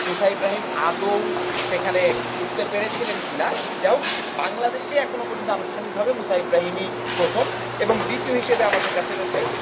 মুসা ইব্রাহিম আদৌও সেখানে উঠতে পেরেছিলেন কিনা যাই হোক বাংলাদেশে এখন পর্যন্ত আনুষ্ঠানিকভাবে মুসা ইব্রাহিম ই প্রথম এবং দ্বিতীয় হিসাবে আমাদের কাছে রয়েছে